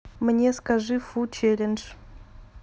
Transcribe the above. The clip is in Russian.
мне скажи фу челлендж